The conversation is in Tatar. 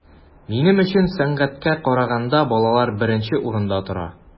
Минем өчен сәнгатькә караганда балалар беренче урында тора.